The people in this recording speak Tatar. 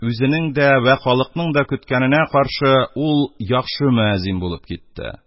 Үзенең дә вә халыкның да көткәненә каршы ул яхшы мөәзин булып китте.